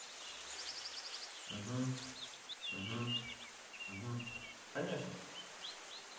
угу угу угу конечно